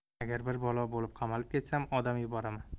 agar bir balo bo'lib qamalib ketsam odam yuboraman